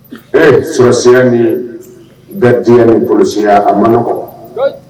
Ee sɔrɔsiya ni ye da di ni kɔlɔsiya a manɔgɔ